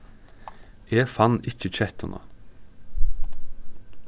eg fann ikki kettuna